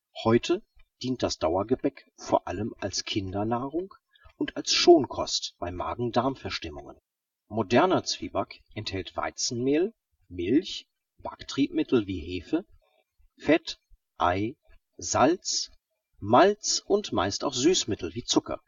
Heute dient das Dauergebäck vor allem als Kindernahrung und als Schonkost bei Magen-Darm-Verstimmungen. Moderner Zwieback enthält Weizenmehl, Milch, Backtriebmittel wie Hefe, Fett, Ei, Salz, Malz und meist auch Süßmittel wie Zucker